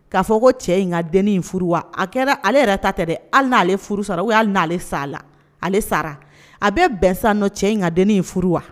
K'a fɔ ko cɛ in ka dennin in furu wa a kɛra ale yɛrɛ ta tɛ dɛ hali n'ale furu sara ou bien n'ale sara, a bɛ bɛn sisannɔ cɛ in ka dennin in furu wa?